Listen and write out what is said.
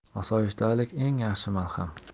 osoyishtalik eng yaxshi malham